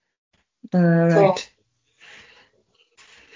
O reit.